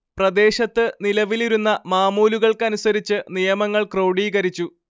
പ്രദേശത്ത് നിലവിലിരുന്ന മാമൂലൂകൾക്കനുസരിച്ച് നിയമങ്ങൾ ക്രോഡീകരിച്ചു